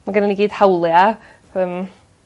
Ma' gynnon ni gyd hawlia yym.